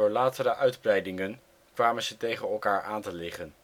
latere uitbreidingen kwamen ze tegen elkaar aan te liggen